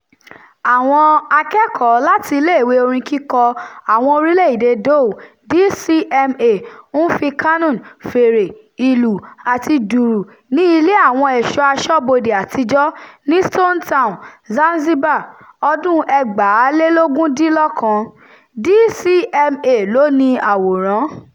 Àwọn akẹ́kọ̀ọ́ láti Iléèwé Orin kíkọ Àwọn Orílẹ̀-èdèe Dhow (DCMA) ń fi qanun, fèrè, ìlù àti dùrù ní Ilé Àwọn Ẹ̀ṣọ́ Aṣọ́bodè Àtijọ́, ní Stone Town, Zanzibar, 2019. DCMA ló ni àwòrán.